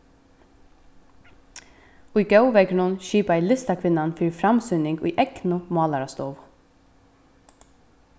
í góðveðrinum skipaði listakvinnan fyri framsýning í egnu málarastovu